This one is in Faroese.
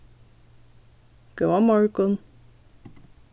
góðan morgun